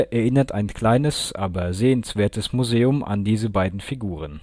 erinnert ein kleines, aber sehenswertes Museum an diese beiden Figuren